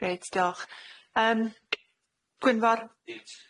Grêt diolch, yym Gwynfor?